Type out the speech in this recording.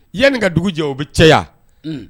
Yanni ka dugu jɛ o bi caya Unhun